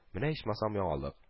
Менә ичмасам яңалык